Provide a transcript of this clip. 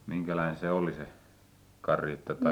minkälainen se oli se karjatta tai